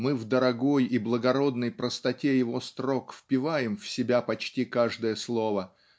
мы в дорогой и благородной простоте его строк впиваем в себя почти каждое слово